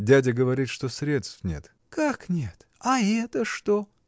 — Дядя говорит, что средств нет. — Как нет: а это что?